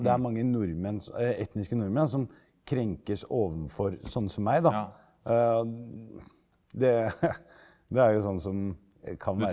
det er mange nordmenns etniske nordmenn som krenkes ovenfor sånne som meg da det det er jo sånn som kan være.